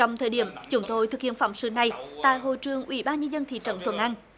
trong thời điểm chúng tôi thực hiện phóng sự này tại hội trường ủy ban nhân dân thị trấn thuận an